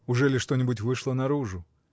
— Ужели что-нибудь вышло наружу?